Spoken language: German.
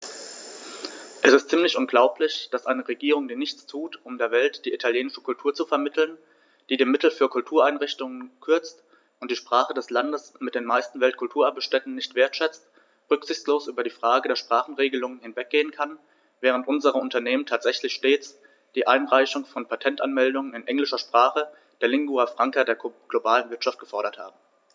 Es ist ziemlich unglaublich, dass eine Regierung, die nichts tut, um der Welt die italienische Kultur zu vermitteln, die die Mittel für Kultureinrichtungen kürzt und die Sprache des Landes mit den meisten Weltkulturerbe-Stätten nicht wertschätzt, rücksichtslos über die Frage der Sprachenregelung hinweggehen kann, während unsere Unternehmen tatsächlich stets die Einreichung von Patentanmeldungen in englischer Sprache, der Lingua Franca der globalen Wirtschaft, gefordert haben.